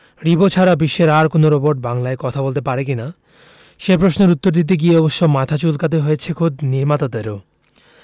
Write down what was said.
রিবো ছাড়া বিশ্বের আর কোনো রোবট বাংলায় কথা বলতে পারে কি না সে প্রশ্নের উত্তর দিতে গিয়ে অবশ্য মাথা চুলকাতে হয়েছে খোদ নির্মাতাদেরও